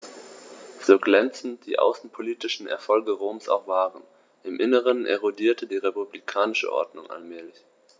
So glänzend die außenpolitischen Erfolge Roms auch waren: Im Inneren erodierte die republikanische Ordnung allmählich.